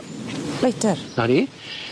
Lighter! 'Na ni.